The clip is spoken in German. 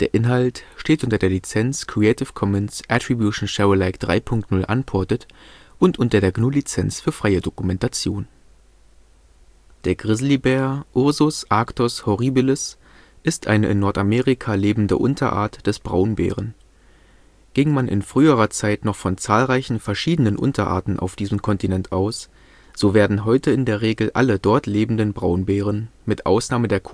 Inhalt steht unter der Lizenz Creative Commons Attribution Share Alike 3 Punkt 0 Unported und unter der GNU Lizenz für freie Dokumentation. Grizzly ist eine Weiterleitung auf diesen Artikel. Weitere Bedeutungen sind unter Grizzly (Begriffsklärung) aufgeführt. Grizzlybär Grizzlybär im Yellowstone-Nationalpark Systematik Ordnung: Raubtiere (Carnivora) Überfamilie: Hundeartige (Canoidea) Familie: Bären (Ursidae) Gattung: Ursus Art: Braunbär (Ursus arctos) Unterart: Grizzlybär Wissenschaftlicher Name Ursus arctos horribilis Ord, 1815 Der Grizzlybär (Ursus arctos horribilis) ist eine in Nordamerika lebende Unterart des Braunbären. Ging man in früherer Zeit noch von zahlreichen verschiedenen Unterarten auf diesem Kontinent aus, so werden heute in der Regel alle dort lebenden Braunbären mit Ausnahme der Kodiakbären als Grizzlybär